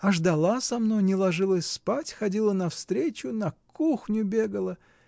А ждала со мной, не ложилась спать, ходила навстречу, на кухню бегала.